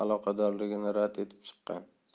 aloqadorligini rad etib chiqqan